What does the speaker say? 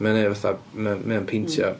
Mae o'n neud fatha, mae o'n, mae o'n peintio.